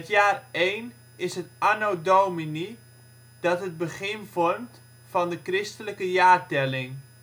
jaar 1 is het Anno Domini, die het begin vormt van de christelijke jaartelling